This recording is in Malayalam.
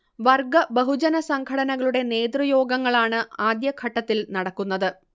വർഗ ബഹുജന സംഘടനകളുടെ നേതൃയോഗങ്ങളാണ് ആദ്യഘട്ടത്തിൽ നടക്കുന്നത്